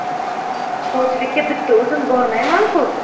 sovchilikka bitta o'zim bormayman ku